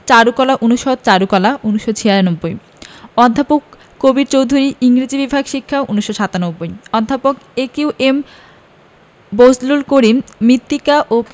চারুকলা অনুষদ চারুকলা ১৯৯৬ অধ্যাপক কবীর চৌধুরী ইংরেজি বিভাগ শিক্ষা ১৯৯৭ অধ্যাপক A Q M Bazlul Karim মৃত্তিকাও